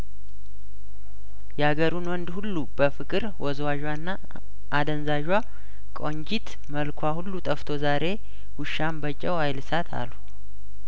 ያገሩን ወንድ ሁሉ በፍቅር ወዝዋዧና አደንዛዧ ቆንጂት መልኳ ሁሉ ጠፍቶ ዛሬ ውሻም በጨው አይልሳት አሉ